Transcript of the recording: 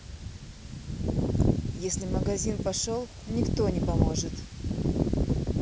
если магазин пошел никто не поможет